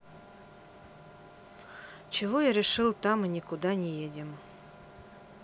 чего я решил там и никуда не едем